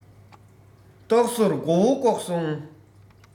གཏོར ཟོར མགོ བོ བཀོག སོང